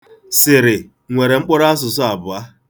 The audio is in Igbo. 'Siri' nwere mkpụrụasụsụ abụọ.